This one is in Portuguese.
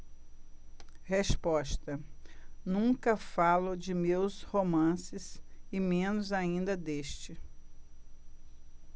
resposta nunca falo de meus romances e menos ainda deste